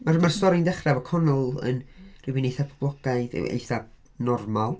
Oherwydd mae'r stori'n dechrau efo Connell yn rhywun eitha poblogaidd, eitha normal.